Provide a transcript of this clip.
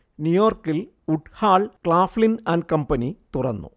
ന്യൂയോർക്കിൽ Woodhull, Claflin and company തുറന്നു